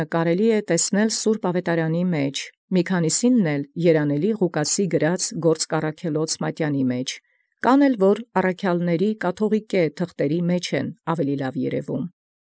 Տեսանել զոմանց ի սուրբ աւետարանին և զոմանց ի Գործս Առաքելոցն երանելոյն Ղուկասու մատենագրեալ. և իցեն որ ի Կաթուղիկէս առաքելոցն առաւելագոյնս ճանաչին։